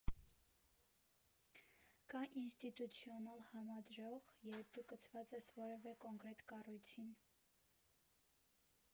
Կա ինստիտուցիոնալ համադրող, երբ դու կցված ես որևէ կոնկրետ կառույցին։